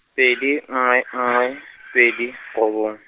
pedi nngwe nngwe, pedi, robong.